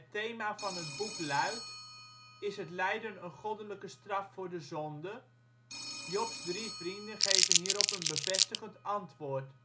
thema van het boek luidt: " Is het lijden een goddelijke straf voor de zonde? " Jobs drie vrienden geven hierop een bevestigend antwoord